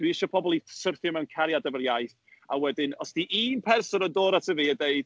Dwi isio pobl i syrthio mewn cariad efo'r iaith, a wedyn os 'di un person yn dod ato fi a deud...